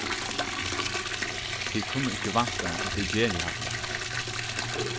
tit kunnu ikki vænta at eg geri hatta